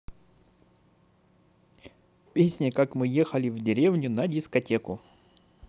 песня как мы ехали в деревню на дискотеку